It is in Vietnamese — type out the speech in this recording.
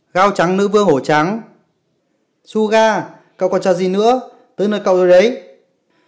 gao trắng nữ vương hổ trắng suga tới lượt cậu đấy